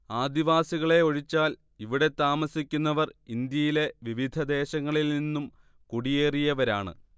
ആദിവാസികളെ ഒഴിച്ചാൽ ഇവിടെ താമസിക്കുന്നവർ ഇന്ത്യയിലെ വിവിധ ദേശങ്ങളിൽ നിന്നും കുടിയേറിയവരാണ്